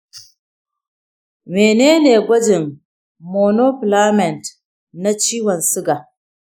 mene ne gwajin monofilament na ciwon siga?